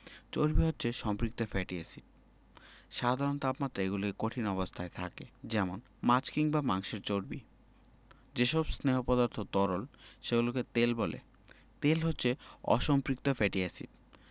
চর্বি হচ্ছে সম্পৃক্ত ফ্যাটি এসিড সাধারণ তাপমাত্রায় এগুলো কঠিন অবস্থায় থাকে যেমন মাছ কিংবা মাংসের চর্বি যেসব স্নেহ পদার্থ তরল সেগুলোকে তেল বলে তেল হচ্ছে অসম্পৃক্ত ফ্যাটি এসিড